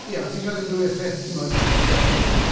Ia wyt ti'n cael unrhyw effaith, timod, fel...